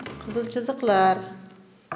qizil chiziqlar